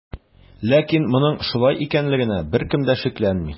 Ләкин моның шулай икәнлегенә беркем дә шикләнми.